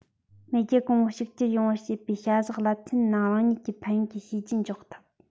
མེས རྒྱལ གོང བུ གཅིག གྱུར ཡོང བར བྱེད པའི བྱ གཞག རླབས ཆེན ནང རང ཉིད ཀྱི ཕན ཡོད ཀྱི བྱས རྗེས འཇོག ཐུབ